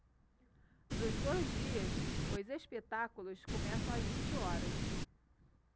nos dois dias os espetáculos começam às vinte horas